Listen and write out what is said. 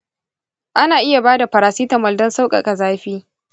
ana iya ba da paracetamol don sauƙaƙa jin zafi.